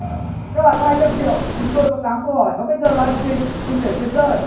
các bạn có hai trăm triệu chúng tôi có tám câu hỏi và bây giờ là hành trình đừng để tiền rơi